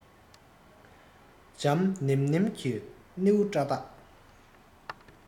ལྗང ནེམ ནེམ གྱི ནེའུ སྐྲ དག